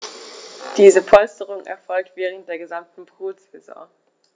Diese Polsterung erfolgt während der gesamten Brutsaison.